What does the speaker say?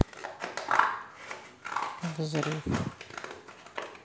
взрыв